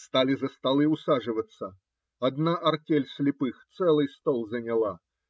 Стали за столы усаживаться; одна артель слепых целый стол заняла.